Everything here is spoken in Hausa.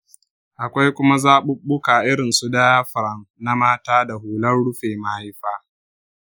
akwai kuma zaɓuɓɓuka irin su diaphragm na mata da hular rufe mahaifa.